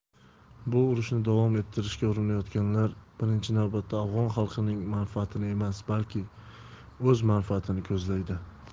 bu urushni davom ettirishga urinayotganlar birinchi navbatda afg'on xalqining manfaatini emas balki o'z manfaatini ko'zlaydi